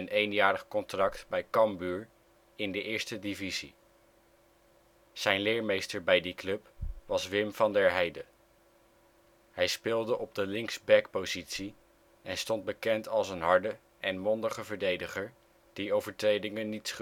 eenjarig contract bij Cambuur in de Eerste divisie. Zijn leermeester bij die club was Wim van der Heide. Hij speelde op de linksbackpositie en stond bekend als een harde en mondige verdediger die overtredingen niet